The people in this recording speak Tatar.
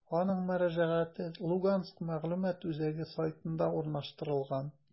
Аның мөрәҗәгате «Луганск мәгълүмат үзәге» сайтында урнаштырылган.